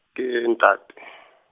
ke ntate .